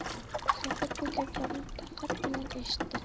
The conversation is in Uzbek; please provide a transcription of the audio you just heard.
zohid bu gaplarni toqat bilan eshitdi